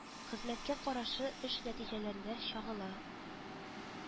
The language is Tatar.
Хезмәткә карашы эш нәтиҗәләрендә чагыла